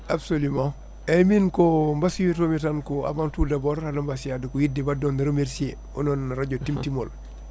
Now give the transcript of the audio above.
absolument eyyi min ko mbasiytomi tan ko avant tout d' abord haademi wasiyade ko yidde wadde on remercier onoon radio Timtimol